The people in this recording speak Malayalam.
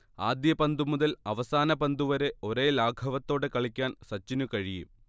ആദ്യ പന്തുമുതൽ അവസാന പന്തുവരെ ഒരേ ലാഘവത്തോടെ കളിക്കാൻ സച്ചിനു കഴിയും